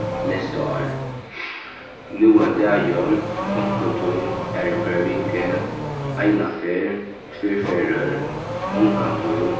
næsta ár nú ein dagin onkuntíð aðru hvørja viku einaferð tvær ferðir ongantíð